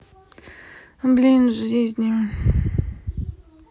блин жизни